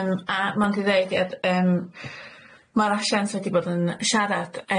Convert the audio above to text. Yym a mond i ddeud yym ma'r ashant wedi bod yn sharad